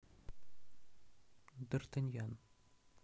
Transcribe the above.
д артаньян